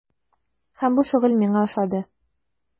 Һәм бу шөгыль миңа ошады.